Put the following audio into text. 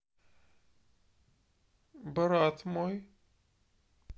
брат мой